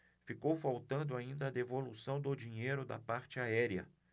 ficou faltando ainda a devolução do dinheiro da parte aérea